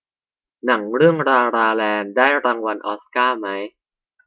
หนังเรื่องลาลาแลนด์ได้รางวัลออสการ์มั้ย